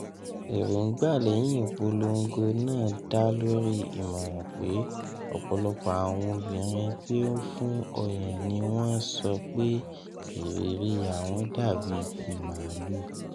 Erongba lẹhin ipolongo naa da lori imọran pe ọpọlọpọ awọn obirin tí ó ń fun ọyan ni wọn sọ pe ìrírí àwọn dàbí ti maalu.